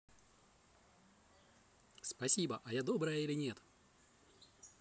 спасибо а я добрая или нет